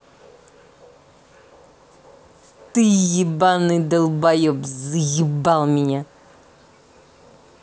ты ебаный долбоеб заебал меня